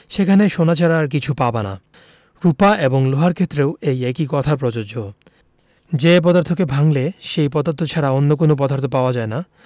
সেখানে সোনা ছাড়া আর কিছু পাবা না রুপা এবং লোহার ক্ষেত্রেও একই কথা প্রযোজ্য যে পদার্থকে ভাঙলে সেই পদার্থ ছাড়া অন্য কোনো পদার্থ পাওয়া যায় না